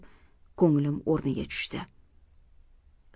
ko'nglim o'rniga tushdi